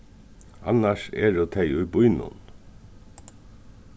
annars eru tey í býnum